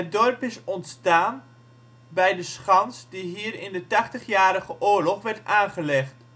dorp is ontstaan bij de schans die hier in de Tachtigjarige Oorlog werd aangelegd